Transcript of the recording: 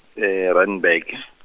Randburg .